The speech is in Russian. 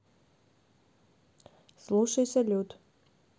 слушай салют